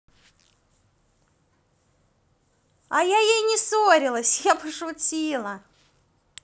а я ей не ссорилась я пошутила